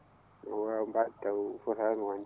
no waawi ?e mbaat taw fotaani wonde